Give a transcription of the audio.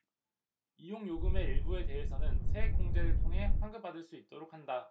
이용요금의 일부에 대해서는 세액공제를 통해 환급받을 수 있도록 한다